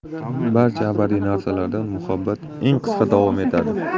barcha abadiy narsalardan muhabbat eng qisqa davom etadi